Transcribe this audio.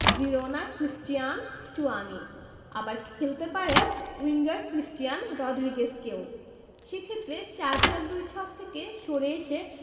জিরোনার Cristian Stuani আবার খেলতে পারেন উইঙ্গার ক্রিস্টিয়ান রড্রিগেজকেও সে ক্ষেত্রে ৪ ৪ ২ ছক থেকে সরে এসে